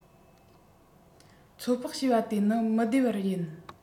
ཚོད དཔག བྱས པ དེ ནི མི བདེ བར ཡིན